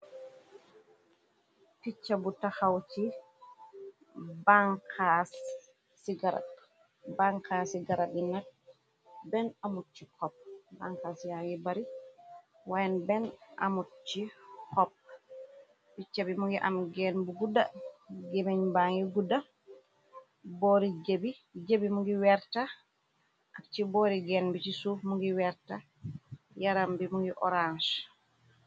Picca bu taxaw ci bbankaa ci garat di nak benn amut ci xopp bankaas yan yi bari waayen ben amut ci xopp picca bi mu ngi am génn bu gudda gémeñ ba ngi gudda bjébi mu ngi werta ak ci boori genn bi ci suuf mu ngi werta yaram bi mu ngi orange.